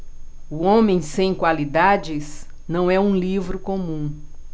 o homem sem qualidades não é um livro comum